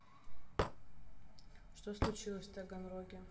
что случилось в таганроге